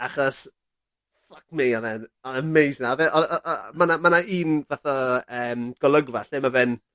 Achos ffyc me odd e'n yn amazing a fe.. Od odd odd yyy ma' 'na ma' 'na un fath o yym golygfa lle ma' fe'n